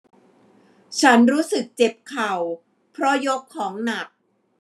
ฉันรู้สึกเจ็บเข่าเพราะยกของหนัก